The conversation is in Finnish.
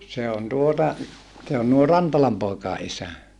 se on tuota se on nuo Rantalan poikien isä